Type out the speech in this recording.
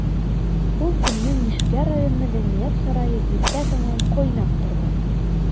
Ул көнне Мишкә район мәдәният сарае иртә таңнан кайнап торды.